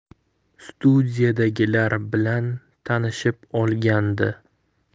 studiyadagilar bilan tanishib olgandi